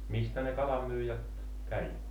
mistä ne kalanmyyjät kävi